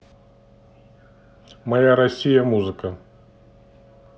моя россия музыка